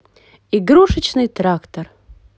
игрушечный трактор